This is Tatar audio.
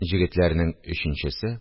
Җегетләрнең өченчесе –